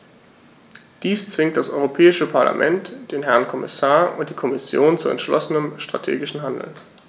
Dies zwingt das Europäische Parlament, den Herrn Kommissar und die Kommission zu entschlossenem strategischen Handeln.